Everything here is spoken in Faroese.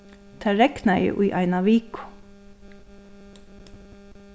tað regnaði í eina viku